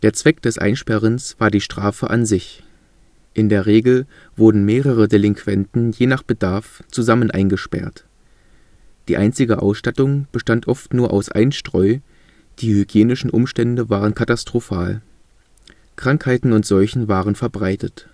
Zweck des Einsperrens war die Strafe an sich. In der Regel wurden mehrere Delinquenten je nach Bedarf zusammen eingesperrt. Die einzige Ausstattung bestand oft nur aus Einstreu, die hygienischen Umstände waren katastrophal. Krankheiten und Seuchen waren verbreitet